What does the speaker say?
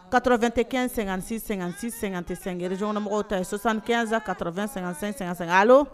Ka2 tɛ kɛnɛn--sɛ-- tɛ-gresonɔnmɔgɔw ta sɔsan kɛnsan ka t2--sɛ alo